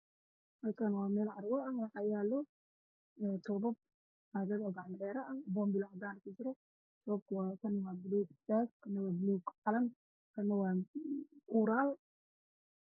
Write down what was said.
Meshaan waa meel carwo ah waxaa yaalo kobab oo ku jiraan bonbalo cadaan ah